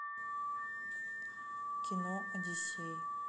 кино одиссей